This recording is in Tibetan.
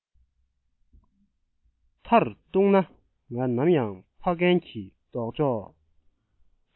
མཐར གཏུགས ན ང ནམ ཡང ཕ རྒན གྱི ལྡོག ཕྱོགས